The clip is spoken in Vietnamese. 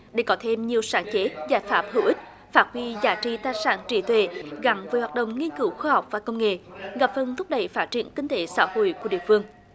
để có thêm nhiều sáng chế giải pháp hữu ích phát huy giá trị tài sản trí tuệ gắn với hoạt động nghiên cứu khoa học và công nghệ góp phần thúc đẩy phát triển kinh tế xã hội của địa phương